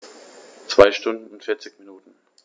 2 Stunden und 40 Minuten